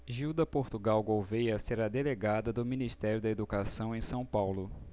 gilda portugal gouvêa será delegada do ministério da educação em são paulo